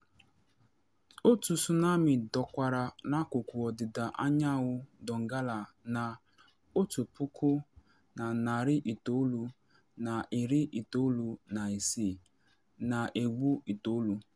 Otu tsunami dakwara n’akụkụ ọdịda anyanwụ Donggala na 1996, na egbu itoolu.